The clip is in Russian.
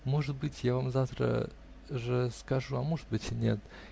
Может быть, я вам завтра же скажу, а может быть, нет.